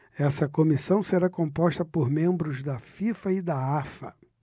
essa comissão será composta por membros da fifa e da afa